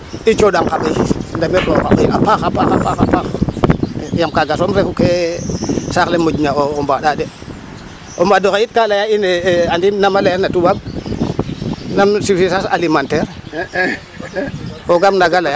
I cooxaang xa ɓay a paax a paax a paax a paax yaam kaaga som refu ke saax le moƴna mbaaɗaa de o maad oxe yit ka laya ine andiim nam a layan na toubab nam suffisance almimentaire foogaam naaga layel